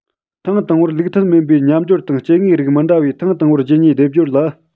ཐེངས དང པོར ལུགས མཐུན མིན པའི མཉམ སྦྱོར དང སྐྱེ དངོས རིགས མི འདྲ བའི ཐེངས དང པོར རྒྱུད གཉིས སྡེབ སྦྱོར ལ